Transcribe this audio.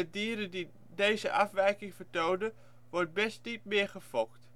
dieren die deze afwijking vertonen wordt best niet meer gefokt